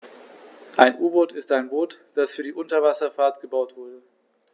Ein U-Boot ist ein Boot, das für die Unterwasserfahrt gebaut wurde.